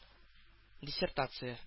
Диссертация